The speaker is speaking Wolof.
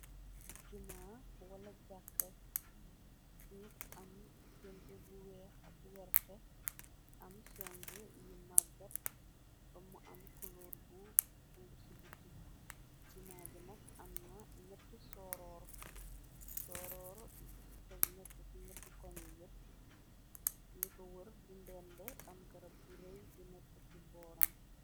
Juma wala jàkke ju am pentur bu weex ak werte am seng yi maggat bamu am kulour bu sungu ci bukki juma ji nak am na ñetti sooroor teg nekk ci ñetti koñ yépp li ko wër di ndende am gërab gu rëy gu nekk ci booram.